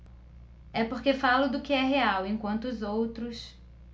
é porque falo do que é real enquanto os outros